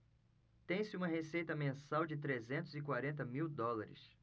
tem-se uma receita mensal de trezentos e quarenta mil dólares